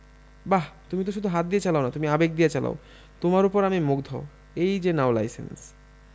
বাহ তুমি তো শুধু হাত দিয়া চালাও না তুমি আবেগ দিয়া চালাও তোমার উপর আমি মুগ্ধ এই যে নাও লাইসেন্স